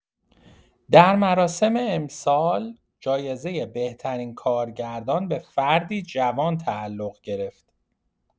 در مراسم امسال، جایزه بهترین کارگردان به فردی جوان تعلق گرفت.